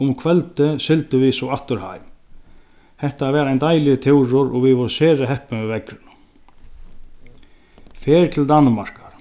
um kvøldið sigldu vit so aftur heim hetta var ein deiligur túrur og vit vóru sera heppin við veðrinum ferð til danmarkar